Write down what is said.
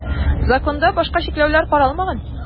Законда башка чикләүләр каралмаган.